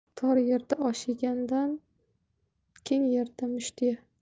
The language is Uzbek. tor yerda osh yegandan keng yerda musht ye